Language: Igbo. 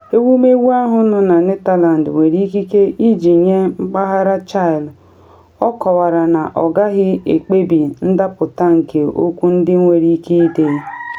Ewumewu ahụ nọ na Netherland nwere ikike iji nye mpaghara Chile, ọ kọwara na ọ gaghị ekpebi ndapụta nke okwu ndị nwere ike ịdị.